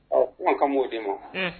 Ɔ anw kan b'o de ma, unhun